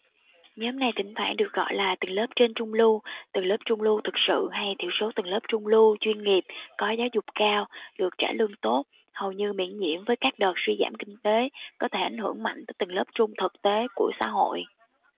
nhóm này thỉnh thoảng được gọi là tầng lớp trên trung lưu tầng lớp trung lưu thực sự hay thiểu số tầng lớp trung lưu chuyên nghiệp có giáo dục cao được trả lương tốt hầu như miễn nhiễm với các đợt suy giảm kinh tế có thể ảnh hưởng mạnh tới tầng lớp trung thực tế của xã hội